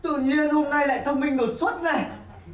tự nhiên hôm nay lại thông minh đột xuất này